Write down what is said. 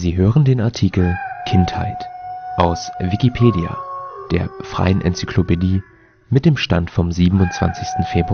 hören den Artikel Kindheit, aus Wikipedia, der freien Enzyklopädie. Mit dem Stand vom Der